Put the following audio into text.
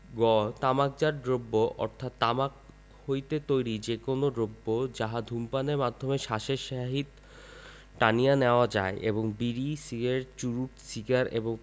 গ তামাকজাত দ্রব্য অর্থ তামাক হইতে তৈরী যে কোন দ্রব্য যাহা ধূমপানের মাধ্যমে শ্বাসের সহিত টানিয়া নেওয়া যায় এবং বিড়ি সিগারেট চুরুট সিগার এবং